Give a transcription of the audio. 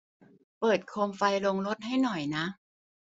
เปิดโคมไฟโรงรถให้หน่อยนะ